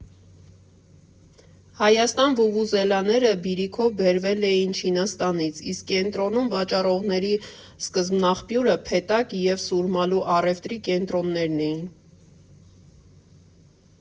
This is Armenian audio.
Հայաստան վուվուզելաները «բիրիքով» բերվել էին Չինաստանից, իսկ կենտրոնում վաճառողների սկզբնաղբյուրը «Փեթակ» և «Սուրմալու» առևտրի կենտրոններն էին։